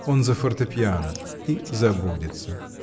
Он за фортепиано — и забудется.